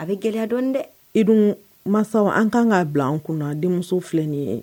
A bɛ gɛlɛya dɔn dɛ i dun masaw an ka kan k'a bila an kunna denmuso filɛ nin ye